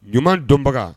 Ɲuman dɔnbaga